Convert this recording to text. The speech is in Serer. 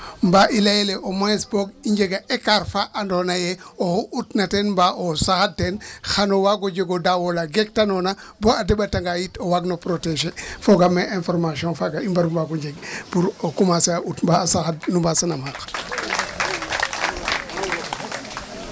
Mba i layel au moins boog i njega écart fa andoona yee oxu utna ten mba o saxad teen xan o waag o jeg o daaw ola geektanoona bo a deɓatanga yit o waagin o protéger foogaam ee information faaga i mbar mbagu njeg pour o commencer a ut mba a saxad nu mbasanaam xaq.